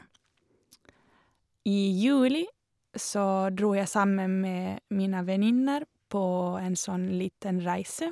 I juli så dro jeg sammen med mine venninner på en sånn liten reise.